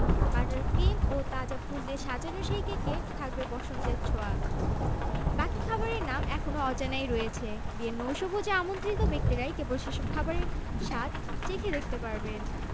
শোনা যাচ্ছে বিয়ের দিন গাড়িতে ও ট্রেনে চড়ে যাঁরা উইন্ডসর এলাকায় প্রবেশ করবেন তাঁদের গাড়ি থামিয়ে তল্লাশি করা হবে তবে রাজকীয় এই বিয়েতে সবার নিরাপত্তা দিতে কত খরচ হচ্ছে বা কয়জন পুলিশ কর্মকর্তা সেখানে কাজ করছেন সেই সংখ্যা জানা যায়নি